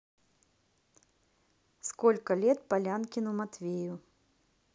сколько лет полянкину матвею